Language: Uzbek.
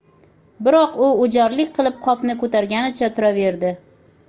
biroq u o'jarlik qilib qopni ko'targanicha turaverdi